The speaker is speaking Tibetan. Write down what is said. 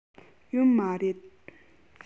ཡོད མ རེད